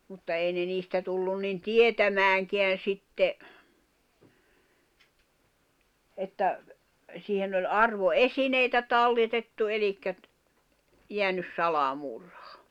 mutta ei ne niistä tullut niin tietämäänkään sitten että siihen oli arvoesineitä talletettu eli - jäänyt salamurha